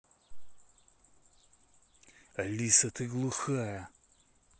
алиса ты глухая